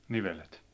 nivelet